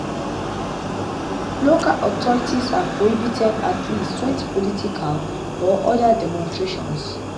Local authorities have prohibited at least 20 political or other demonstrations.